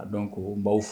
A dɔn koo n b'aw f